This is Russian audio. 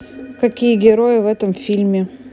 какие герои в этом фильме